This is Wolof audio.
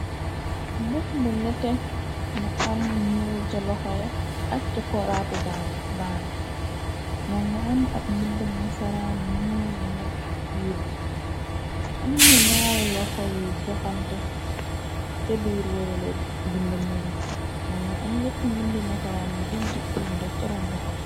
mbopk mu nete mu am ñuul ca loxoye ak ca koraatu baan moo nga am ab mbindam nesaraan ñuu lu nekk ca biir bi am na ñaari loxo yi joxante ca biir warale bind muuma moo nga am ñette mbind nesaraan yu dinj yiñu def jaroon doxo ba